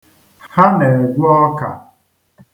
Ha na-egwe ọka.